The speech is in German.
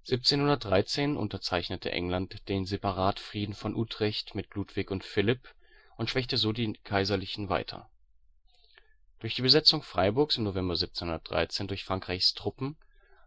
1713 unterzeichnete England den Separatfrieden von Utrecht mit Ludwig und Philipp und schwächte so die Kaiserlichen weiter. Durch die Besetzung Freiburgs, im November 1713, durch Frankreichs Truppen,